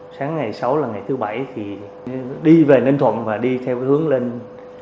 sáng ngày sáu là ngày thứ bảy thì đi về ninh thuận và đi theo cái hướng lên